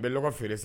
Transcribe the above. Bɛ lɔgɔ feere s